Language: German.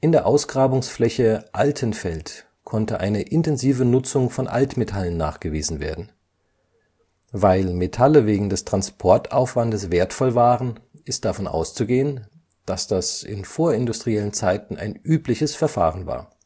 der Ausgrabungsfläche „ Altenfeld “konnte eine intensive Nutzung von Altmetallen nachgewiesen werden. Weil Metalle wegen des Transportaufwandes wertvoll waren, ist davon auszugehen, dass das in vorindustriellen Zeiten ein übliches Verfahren war